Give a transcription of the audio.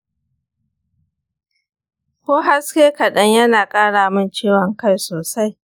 ko haske kaɗan yana ƙara min ciwon kai sosai.